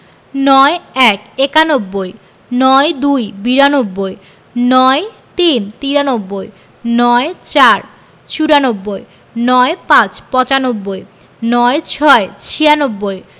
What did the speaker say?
৯১ - একানব্বই ৯২ - বিরানব্বই ৯৩ - তিরানব্বই ৯৪ – চুরানব্বই ৯৫ - পচানব্বই ৯৬ - ছিয়ানব্বই